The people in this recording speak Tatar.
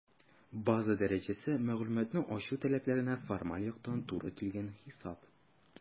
«база дәрәҗәсе» - мәгълүматны ачу таләпләренә формаль яктан туры килгән хисап.